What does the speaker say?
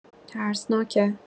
ترسناکه